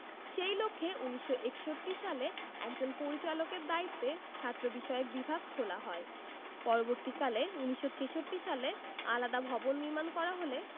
সেই লক্ষ্যে ১৯৬১ সালে একজন পরিচালকের দায়িত্বে ছাত্রবিষয়ক বিভাগ খোলা হয় পরবর্তীকালে ১৯৬৬ সালে আলাদা ভবন নির্মাণ করা হলে